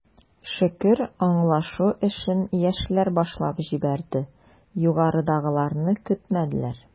Шөкер, аңлашу эшен, яшьләр башлап җибәрде, югарыдагыларны көтмәделәр.